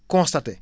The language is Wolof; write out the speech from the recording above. constater